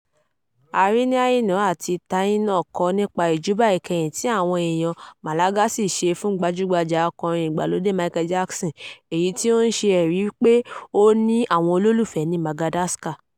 Ariniaina àti Tahina kọ nípa ìjúbà ìkẹyìn tí àwọn èèyàn Malagasy ṣe fún gbajúgbajà akọrin ìgbàlódé Michael Jackson, èyí tí ó ń ṣe ẹ̀rí pé ó ní àwọn olólùfẹ́ ní Madagascar.